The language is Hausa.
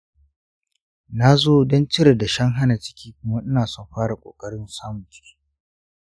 na zo don cire dashen hana ciki kuma ina son fara ƙoƙarin samun ciki.